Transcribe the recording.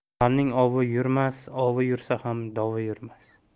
kambag'alning ovi yurmas ovi yursa ham dovi yurmas